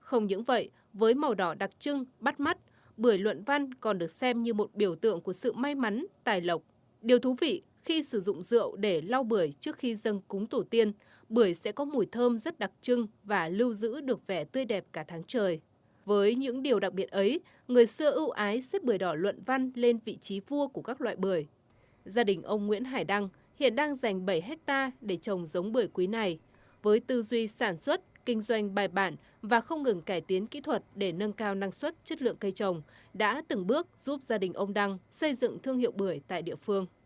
không những vậy với màu đỏ đặc trưng bắt mắt bưởi luận văn còn được xem như một biểu tượng của sự may mắn tài lộc điều thú vị khi sử dụng rượu để lau bưởi trước khi dâng cúng tổ tiên bưởi sẽ có mùi thơm rất đặc trưng và lưu giữ được vẻ tươi đẹp cả tháng trời với những điều đặc biệt ấy người xưa ưu ái xếp bưởi đỏ luận văn lên vị trí vua của các loại bưởi gia đình ông nguyễn hải đăng hiện đang dành bảy héc ta để trồng giống bưởi quý này với tư duy sản xuất kinh doanh bài bản và không ngừng cải tiến kỹ thuật để nâng cao năng suất chất lượng cây trồng đã từng bước giúp gia đình ông đang xây dựng thương hiệu bưởi tại địa phương